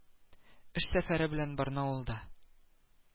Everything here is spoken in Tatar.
Эш сәфәре белән барнаулда